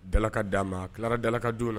Dala ka da ma tilara dala ka joona na